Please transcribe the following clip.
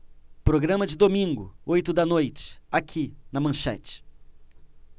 programa de domingo oito da noite aqui na manchete